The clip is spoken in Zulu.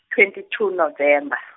twenty two November.